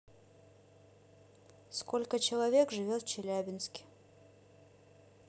сколько человек живет в челябинске